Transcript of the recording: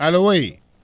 allo ouais